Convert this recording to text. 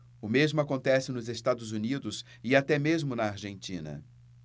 o mesmo acontece nos estados unidos e até mesmo na argentina